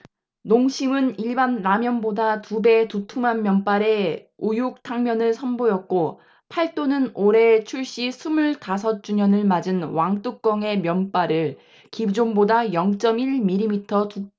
농심은 일반라면보다 두 배 두툼한 면발의 우육탕면을 선보였고 팔도는 올해 출시 스물 다섯 주년을 맞은 왕뚜껑의 면발을 기존보다 영 쩜 일 밀리미터 두껍게 개선했다